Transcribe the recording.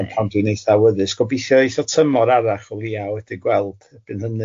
...ond pan dwi'n eitha awyddus gobeithio eitho tymor arall o'lia wedi gweld 'byn hynny.